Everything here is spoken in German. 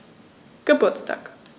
Geburtstag